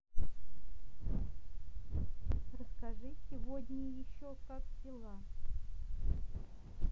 расскажи сегодня еще как дела